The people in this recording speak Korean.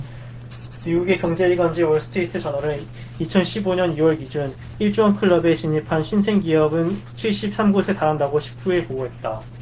미국의 경제일간지 월스트리트저널은 이천 십 오 년 이 월 기준 일 조원 클럽에 진입한 신생기업은 칠십 삼 곳에 달한다고 십 구 일 보도했다